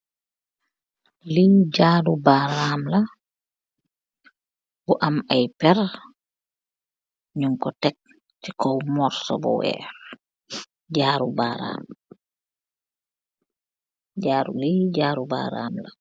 Li jaaru baram la bu am ay perr nyun ko teek si kaw morso bu weex jaaru bi jaaru baram la.